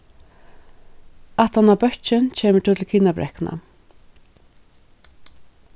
aftaná bøkkin kemur tú til kinabrekkuna